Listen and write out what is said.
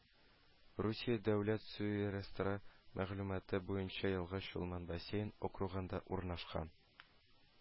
Русия дәүләт су реестры мәгълүматы буенча елга Чулман бассейн округында урнашкан